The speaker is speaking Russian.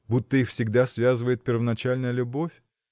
будто их всегда связывает первоначальная любовь?